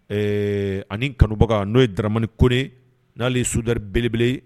Ɛɛ an'i kanubaga n'o ye Dramane Kone, n'ale ye soudeur belebele ye